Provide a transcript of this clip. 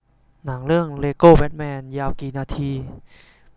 หนังเรื่องเลโกแบ็ทแมนยาวกี่นาที